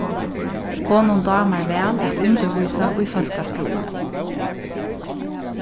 honum dámar væl at undirvísa í fólkaskúlanum